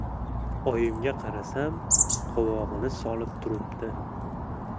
oyimga qarasam qovog'ini solib turibdi